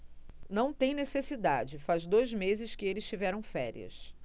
não tem necessidade faz dois meses que eles tiveram férias